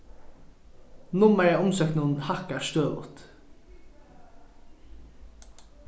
nummarið av umsóknum hækkar støðugt